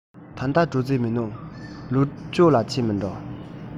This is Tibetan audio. ད ལྟ འགྲོ རྩིས མི འདུག ལོ མཇུག ལ ཕྱིན མིན འགྲོ